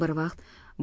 bir vaqt